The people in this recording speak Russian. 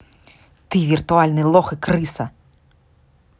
ты виртуальный лох и крыса